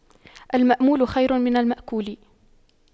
المأمول خير من المأكول